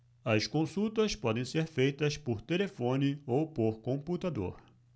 as consultas podem ser feitas por telefone ou por computador